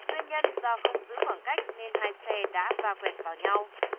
nguyên nhân do không giữ khoảng cách nên hai xe đã va quẹt vào nhau